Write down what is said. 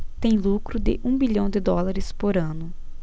tem lucro de um bilhão de dólares por ano